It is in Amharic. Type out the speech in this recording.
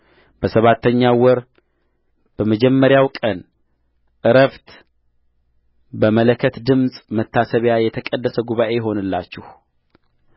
በሰባተኛው ወር በመጀመሪያው ቀን ዕረፍት በመለከት ድምፅ መታሰቢያ የተቀደሰ ጉባኤ ይሁንላችሁ